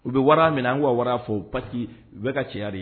U bɛ wara min an ka wara fɔ paki u bɛɛ ka ca ye